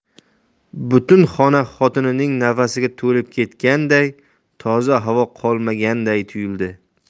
butun xona xotinining nafasiga to'lib ketganday toza havo qolmaganday tuyuldi